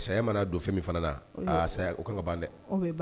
Saya manaa don fɛn min fana na saya o ka ka ban dɛ